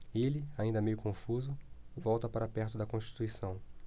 ele ainda meio confuso volta para perto de constituição